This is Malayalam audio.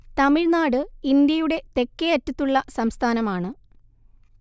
തമിഴ്നാട് ഇന്ത്യയുടെ തെക്കേയറ്റത്തുള്ള സംസ്ഥാനമാണ്